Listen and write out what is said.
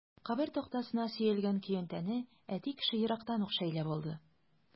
Кабер тактасына сөялгән көянтәне әти кеше ерактан ук шәйләп алды.